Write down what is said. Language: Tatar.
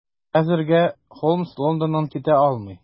Хәзергә Холмс Лондоннан китә алмый.